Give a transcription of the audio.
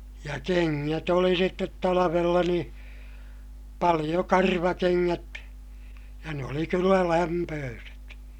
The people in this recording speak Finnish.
ja kengät oli sitten talvella niin paljon karvakengät ja ne oli kyllä lämpöiset